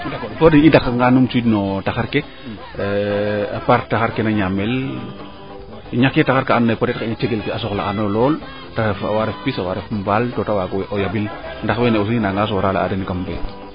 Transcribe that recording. d' accord so i ndaka n ga numtu wiid no taxar ke apart taxar ke na ñaamel ñake taxar ka ando anye taxar ke a soxla aan lool awa ref pis awaa ref mbaal to to waaga o yabin ndax weene aussi naaabga soorale a den kam fee